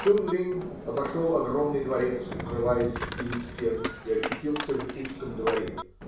Чун-Линг обошел огромный дворец, укрываясь в тени стен, и очутился в узком дворе.